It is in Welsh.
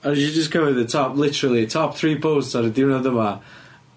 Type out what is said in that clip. a nes i jyst cymryd y top literally y top three posts ar y diwrnod yma